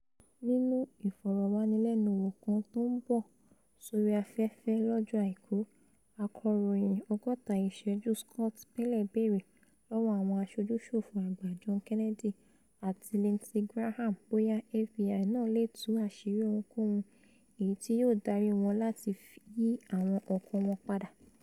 Nínu ìfọ̀rọ̀wánilẹnuwò kan tó ń bọ́ sórí afẹ́fẹ́ lọ́jọ́ Àìkú, akọ̀ròyìn ''Ọgọ́ta Ìṣẹ́jú Scott Pelley béèrè lọ́wọ́ Àwọn Aṣojú-ṣòfin Àgbà John Kennedy àti Lindsey Graham bóyá FBI náà leè tú àṣírí ohunkóhun èyití yóò darí wọn láti yí àwọn ọ̀kan wọn padà.